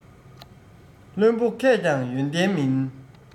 བླུན པོ མཁས ཀྱང ཡོན ཏན མིན